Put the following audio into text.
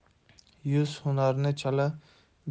yuz hunarni chala bilgandan